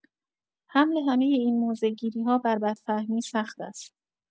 حمل همۀ این موضع‌گیری‌ها بر بدفهمی سخت است.